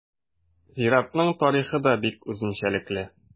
Зиратның тарихы да бик үзенчәлекле.